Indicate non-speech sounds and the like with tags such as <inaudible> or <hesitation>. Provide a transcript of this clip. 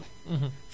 <hesitation> <hesitation>